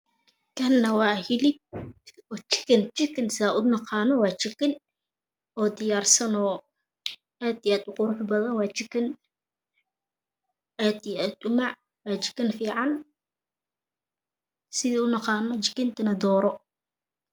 Kana waa hilib waa jikiin jikiin sida aanu uqaano waa jikiin oo diyaarsano aad iyo aad u qurux badan waa jikiin aad iyo aad umaac waa jikiin ficaan sidaan Ina qano jikiin kana dooro